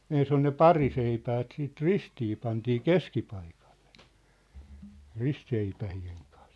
ensin on ne pariseipäät sitten ristiin pantiin keskipaikalle ristiseipäiden kanssa